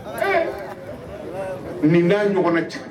Ee nin da ɲɔgɔn ci